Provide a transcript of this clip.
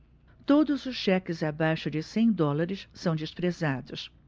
todos os cheques abaixo de cem dólares são desprezados